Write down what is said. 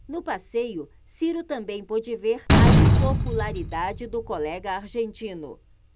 no passeio ciro também pôde ver a impopularidade do colega argentino